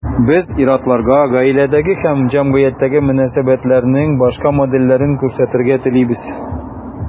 Без ир-атларга гаиләдәге һәм җәмгыятьтәге мөнәсәбәтләрнең башка модельләрен күрсәтергә телибез.